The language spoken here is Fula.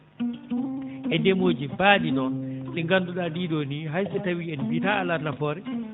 e ndemooji mbaaɗi noon ɗi ngannduɗaa ɗii ɗoo nii hay so tawii en mbiyataa alaa nafoore